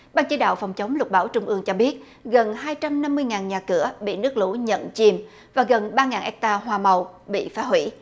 ban chỉ đạo phòng chống lụt bão trung ương cho biết gần hai trăm năm mươi ngàn nhà cửa bị nước lũ nhận chìm và gần ba ngàn héc ta hoa màu bị phá hủy